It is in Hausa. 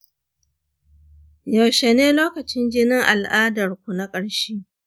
yaushe ne lokacin jinin al'adarku na ƙarshe